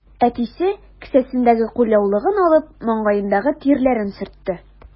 Әтисе, кесәсендәге кулъяулыгын алып, маңгаендагы тирләрен сөртте.